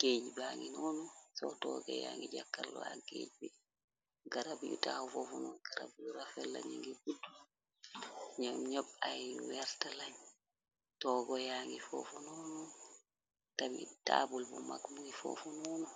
géej ba ngi noonu sox toogo ya ngi jàkkalwak géej bi garab yu taxu fofunu garab yu rafe lani ngi budt ñam ñopp ay werta lañ toogoyaa ngi foofu noonu tabi taabul bu mag mungi foofu noonu